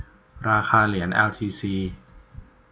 ราคาเหรียญแอลทีซี